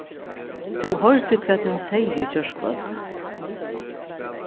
tú hoyrdi hvat ið hann segði í gjárkvøldið